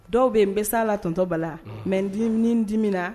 Dɔw bɛ yen n bɛ sa la tɔtɔba mɛ n di dimina na